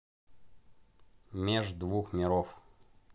меж двух миров